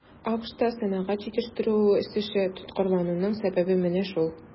АКШта сәнәгать җитештерүе үсеше тоткарлануның сәбәбе менә шул.